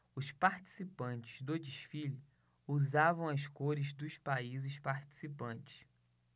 os participantes do desfile usavam as cores dos países participantes